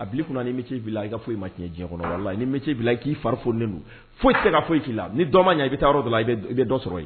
A bilisi tun ni'i la i foyi i ma tiɲɛ diɲɛkɔrɔ la i'i k'i fari folen don foyi tɛ ka foyi' la ni dɔn ma ɲɛ i bɛ taa yɔrɔ dɔn la i i bɛ dɔ sɔrɔ yen